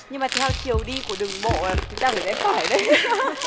nhưng mà theo chiều đi của đường bộ là chúng ta phải rẽ phải đấy